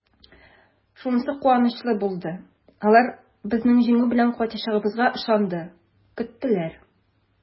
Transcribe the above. Шунысы куанычлы булды: алар безнең җиңү белән кайтачагыбызга ышанды, көттеләр!